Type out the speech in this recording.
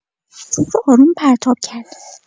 توپ رو آروم پرتاب کرد.